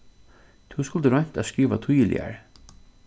tú skuldi roynt at skrivað týðiligari